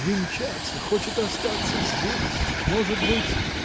венчаться, хочет остаться здесь. Может быть.